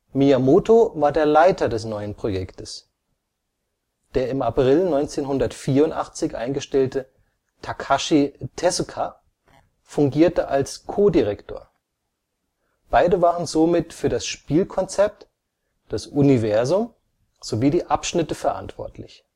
Miyamoto war der Leiter des neuen Projektes. Der im April 1984 eingestellte Takashi Tezuka (* 1960) fungierte als Co-Director. Beide waren somit für das Spielkonzept, das - Universum sowie die - Abschnitte verantwortlich